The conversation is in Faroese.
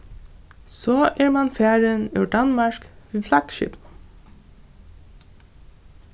so er mann farin úr danmark við flaggskipinum